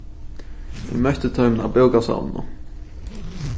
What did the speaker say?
eg møtti teimum á bókasavninum